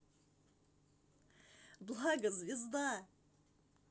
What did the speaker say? благо звезда